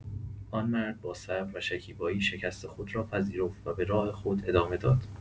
آن مرد با صبر و شکیبایی شکست خود را پذیرفت و به راه خود ادامه داد.